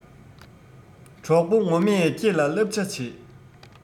གྲོགས པོ ངོ མས ཁྱེད ལ སླབ བྱ བྱེད